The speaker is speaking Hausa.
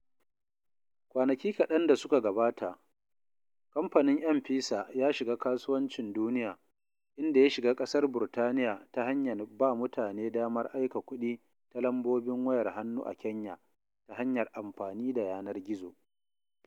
Kwanaki kaɗan da suka gabata, kamfanin M-Pesa ya shiga kasuwancin duniya, inda ya shiga ƙasar Burtaniya ta hanyar ba mutane damar aika kuɗi ta lambobin wayar hannu a Kenya ta hanyar amfani da yanar gizo